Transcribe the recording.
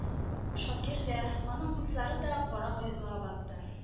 Шакир да, аның дуслары да кара кайгыга батты